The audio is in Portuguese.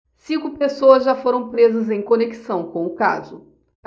cinco pessoas já foram presas em conexão com o caso